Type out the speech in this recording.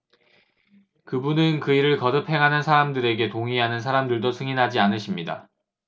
그분은 그 일을 거듭 행하는 사람들에게 동의하는 사람들도 승인하지 않으십니다